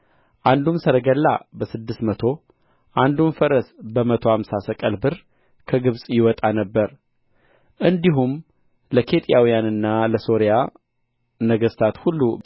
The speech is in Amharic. አንዱም ሰረገላ በስድስት መቶ አንዱም ፈረስ በመቶ አምሳ ሰቅል ብር ከግብጽ ይወጣ ነበር እንዲሁም ለኬጢያውያንና ለሶሪያ ነገሥታት ሁሉ